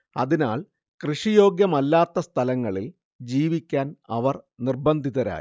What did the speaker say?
അതിനാൽ കൃഷി യോഗ്യമല്ലാത്ത സ്ഥലങ്ങളിൽ ജീവിക്കാൻ അവർ നിർബന്ധിതരായി